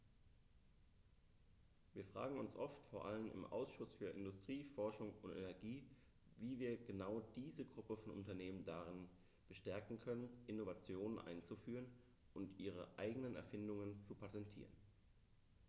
Wir fragen uns oft, vor allem im Ausschuss für Industrie, Forschung und Energie, wie wir genau diese Gruppe von Unternehmen darin bestärken können, Innovationen einzuführen und ihre eigenen Erfindungen zu patentieren.